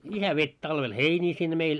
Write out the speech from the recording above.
isä veti talvella heiniä sinne meillä